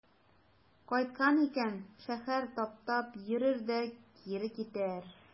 Кайткан икән, шәһәр таптап йөрер дә кире китәр.